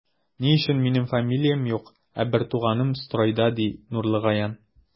Ни өчен минем фамилиям юк, ә бертуганым стройда, ди Нурлыгаян.